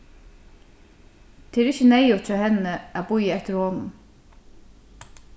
tað er ikki neyðugt hjá henni at bíða eftir honum